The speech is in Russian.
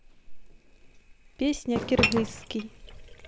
песня кыргызский